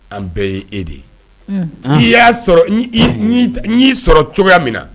An bɛɛ ye e de ye . N yi sɔrɔ cogoya min na.